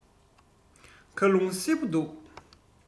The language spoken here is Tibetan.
ཁ རླུང བསིལ པོ འདུག